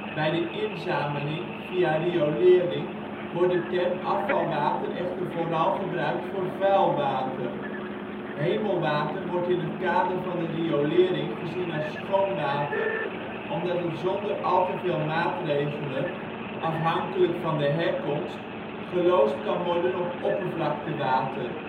Bij de inzameling (via riolering) wordt de term afvalwater echter vooral gebruikt voor vuil water. Hemelwater wordt in het kader van de riolering gezien als schoon water omdat het zonder al te veel maatregelen (afhankelijk van de herkomst) geloosd kan worden op oppervlaktewater